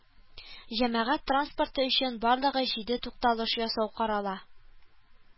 Җәмәгать транспорты өчен барлыгы җиде тукталыш ясау карала